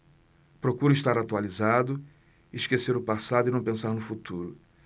procuro estar atualizado esquecer o passado e não pensar no futuro